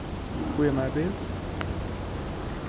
bíða mær eitt bil